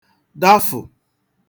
dafụ̀